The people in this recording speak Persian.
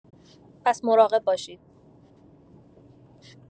پس مراقب باشید.